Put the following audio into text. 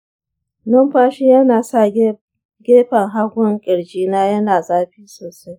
numfashi yana sa gefen hagun ƙirji na yana zafi sosai